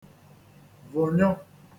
vụ̀nyụ